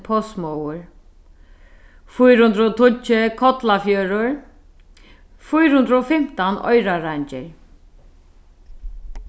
postsmogur fýra hundrað og tíggju kollafjørður fýra hundrað og fimtan oyrareingir